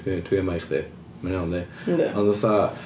Dw- dwi yma i chdi. Ma'n iawn yndi... Yndi... Ond fatha...